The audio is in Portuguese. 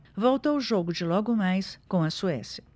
volto ao jogo de logo mais com a suécia